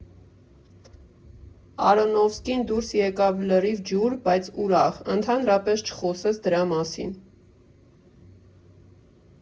Արոնոֆսկին դուրս եկավ լրիվ ջուր, բայց ուրախ, ընդհանրապես չխոսեց դրա մասին։